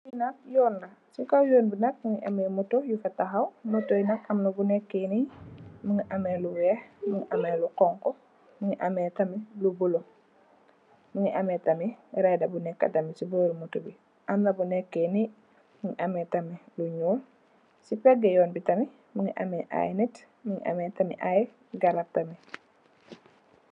Li nak yoon la, ci kaw yoon bi nak mungi ameh moto yu fa tahaw. Moto yi nak amna bu nekk ni mungi ameh lu weeh, mungi ameh lu honku, mungi ameh tamit lu bulo, mungi ameh tamit rëdda bu nekka tamit ci boori moto bi. Amna bu nekk ni, mungi ameh tamit lu ñuul. Ci pègg yoon bi tamit mungi ameh ay nit, mungi ameh tamit ay garab tamit.